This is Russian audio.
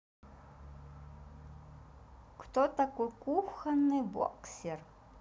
кто такой кухонный боксер